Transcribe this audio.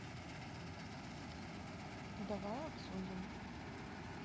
давай обсудим